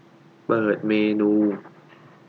เปิดเมนู